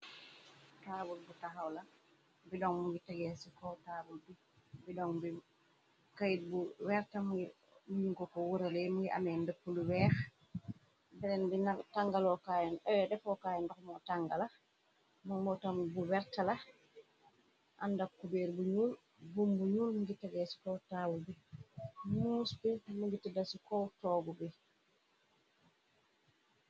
Taawul bu taxaw la bidong mugi tegee ci kaw taable bi bidong bi kayit bu werta nyung ko ko wurale mugi ameeh ndëppu lu weex beneni nk defookaay ndox mo tangala ma mootam bu werta la àndak kubeer bu ñul bum bu ñyul mugi tegee ci ko taable bi mus bi mugi teda ci kaw torgu bi.